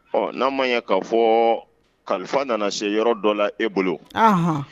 Ɔ n'a ma ye k'a fɔ kalifa nana se yɔrɔ dɔ la e bolo